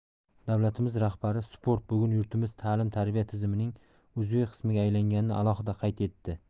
davlatimiz rahbari sport bugun yurtimiz ta'lim tarbiya tizimining uzviy qismiga aylanganini alohida qayd etdi